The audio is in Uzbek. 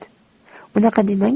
unaqa demang